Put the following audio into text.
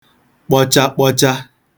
kpọchakpọcha